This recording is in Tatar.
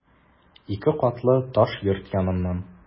Ике катлы таш йорт яныннан...